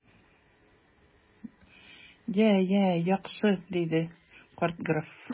Я, я, яхшы! - диде карт граф.